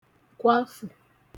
kwafù